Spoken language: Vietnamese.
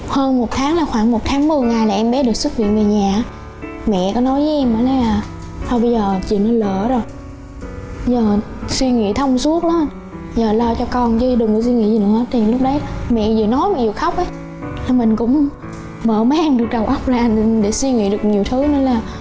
hơn một tháng là khoảng một tháng mười ngày là em bé được xuất viện về nhà mẹ mới nói thôi bây giờ chuyện nó lỡ rồi bây giờ suy nghĩ thông suốt lo là lo cho con đi đừng suy nghĩ hết lúc đấy mẹ vừa nói mẹ vừa khóc mình cũng mở mang đầu óc để suy nghĩ được nhiều thứ